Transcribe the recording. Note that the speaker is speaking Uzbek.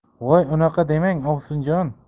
voy unaqa demang ovsinjon